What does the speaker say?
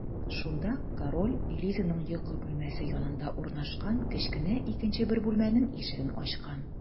Шунда король Элизаның йокы бүлмәсе янында урнашкан кечкенә икенче бер бүлмәнең ишеген ачкан.